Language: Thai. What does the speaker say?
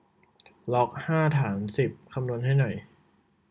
ล็อกห้าฐานสิบคำนวณให้หน่อย